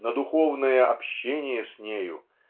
на духовное общение с нею